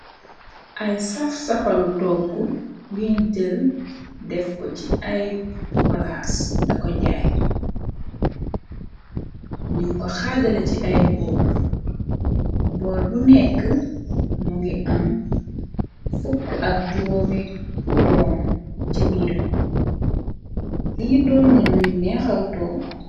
Ay saf-safalu togg yuñ jël def ko ci ay palaas da ko jaay num ko xaajala ci ay bool bool bu nekk mu ngi am fukk ak juróomi doom ca biira dii doon na luy neexal togg.